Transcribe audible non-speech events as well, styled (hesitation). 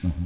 (hesitation) (hesitation)